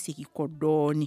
Sigiko dɔɔnin